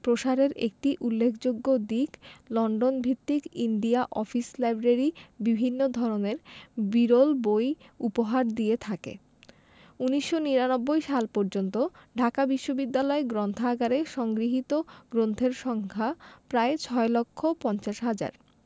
প্রসারের একটি উল্লেখযোগ্য দিক লন্ডন ভিত্তিক ইন্ডিয়া অফিস লাইব্রেরি বিভিন্ন ধরনের বিরল বই উপহার দিয়ে থাকে ১৯৯৯ সাল পর্যন্ত ঢাকা বিশ্ববিদ্যালয় গ্রন্থাগারে সংগৃহীত গ্রন্থের সংখ্যা প্রায় ৬ লক্ষ ৫০ হাজার